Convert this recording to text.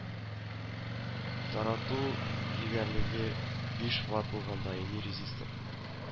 Тарату егәрлеге биш Ват булган даими резистор